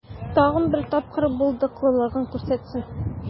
Тагын бер тапкыр булдыклылыгын күрсәтсен.